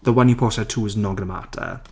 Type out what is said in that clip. The one you posted at two is not going to matter.